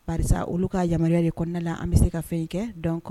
Karisa olu ka yamaruya de kɔnɔna la an bɛ se ka fɛn in kɛ dɔn